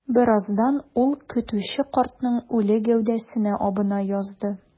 Бераздан ул көтүче картның үле гәүдәсенә абына язды.